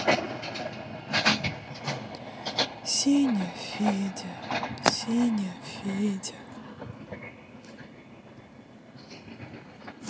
сеня федя сеня федя